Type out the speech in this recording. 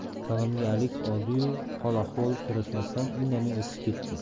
salomga alik oldiyu hol ahvol so'rashmasdan indamay o'tib ketdi